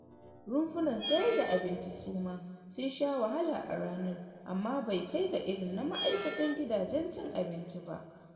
Rumfunan sayar da abinci suma sun sha wahala a ranar, amma bai kai ga irin na ma’ikatan gidajen cin abinci ba.